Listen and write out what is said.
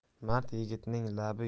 mard yigitning labi